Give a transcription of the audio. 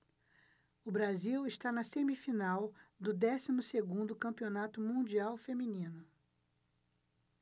o brasil está na semifinal do décimo segundo campeonato mundial feminino